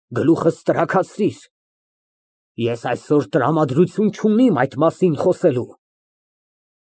Գլուխս տրաքացրիր։ Ես այսօր տրամադրություն չունիմ այդ մասին խոսելու։